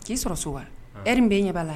K'i sɔrɔ so wa eri n bɛn ɲɛ b' la